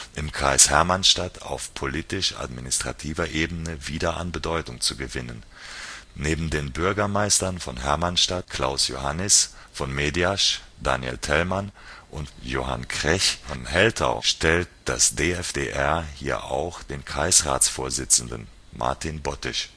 im Kreis Hermannstadt auf politisch-administrativer Ebene wieder an Bedeutung zu gewinnen. Neben den Bürgermeistern von Hermannstadt (Klaus Johannis), von Mediasch (Daniel Thellmann) und von Heltau (Johann Krech) stellt das DFDR hier auch den Kreisratsvorsitzenden (Martin Bottesch